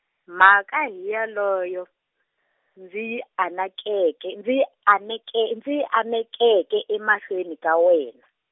mhaka hi yoleyo, ndzi yi anakeke, ndzi yi aneke-, ndzi yi anekeke emahlweni ka wena.